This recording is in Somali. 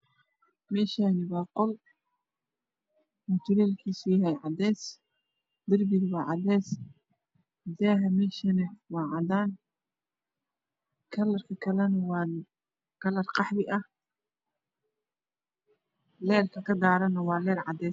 Meeshan waa qol mutuleelkiisu yahay cadees darbigu waa cadees daaha meeshana waa cadaan kalarlka kalana waa kalar qaxwi ah leerka kadaarana waa cadees